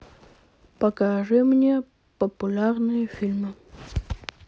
покажи мне популярные фильмы